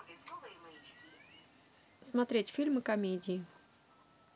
смотреть фильмы комедии